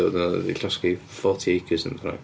Oedd hwnna 'di llosgi forty acres neu beth bynnag.